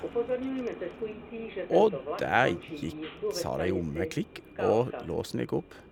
Og der gikk sa det jommen meg klikk, og låsen gikk opp.